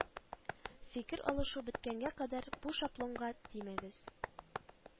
Фикер алышу беткәнгә кадәр бу шаблонга тимәгез